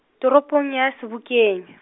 toropong ya Sebokeng .